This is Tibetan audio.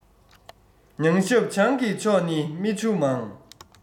ཉང ཤབ བྱང གི ཕྱོགས ནི སྨྲེ མཆུ མང